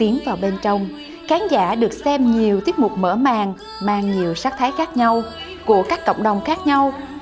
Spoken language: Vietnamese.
tiến vào bên trong khán giả được xem nhiều tiết mục mở màn mang nhiều sắc thái khác nhau của các cộng đồng khác nhau